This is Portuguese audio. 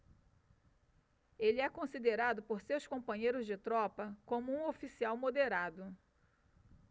ele é considerado por seus companheiros de tropa como um oficial moderado